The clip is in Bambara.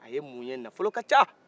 a ye mun ye nafolo ka can